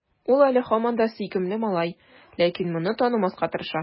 Ул әле һаман да сөйкемле малай, ләкин моны танымаска тырыша.